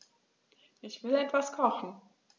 Ich will etwas kochen.